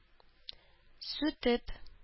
Сүтеп